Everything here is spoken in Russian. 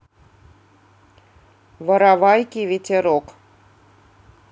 воровайки ветерок